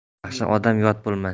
yaxshi odam yot bo'lmas